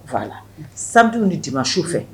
Fa la sabu de di ma su fɛ